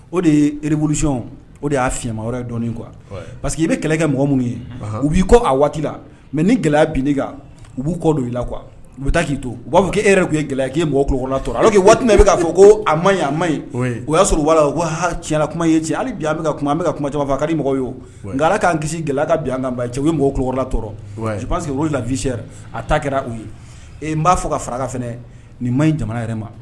O de ye rebuy o de y'a fima wɛrɛ ye dɔn kuwa pa que i bɛ kɛlɛ kɛ mɔgɔ minnu ye u b'i ko a waati la mɛ ni gɛlɛya bin ne kan u b'u kɔ don i la qu kuwa u bɛ taa k'i to u b'a fɔ' e yɛrɛ tun ye gɛlɛya k kɛ mɔgɔla ale k' waati min bɛ k'a fɔ ko a ma a maye o y'a sɔrɔ u'a la u ko ha tila kuma ye cɛ hali bi a bɛ ka kuma an bɛ ka kuma camanfa ka mɔgɔ ye nka'an kisi gɛlɛya ka bin an kan ba cɛ u mɔgɔ kula tɔɔrɔ siseke la vsi a ta kɛra u ye ee n b'a fɔ ka fara f nin ma ɲi jamana yɛrɛ ma